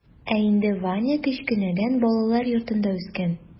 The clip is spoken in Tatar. Ә инде ваня кечкенәдән балалар йортында үскән.